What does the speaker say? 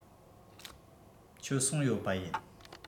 ཁྱོད སོང ཡོད པ ཡིན